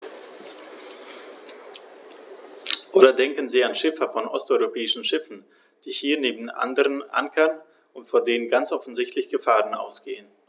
Oder denken Sie an Schiffer von osteuropäischen Schiffen, die hier neben anderen ankern und von denen ganz offensichtlich Gefahren ausgehen.